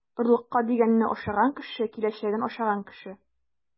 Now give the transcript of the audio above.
Орлыкка дигәнне ашаган кеше - киләчәген ашаган кеше.